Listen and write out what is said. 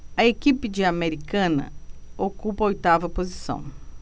a equipe de americana ocupa a oitava posição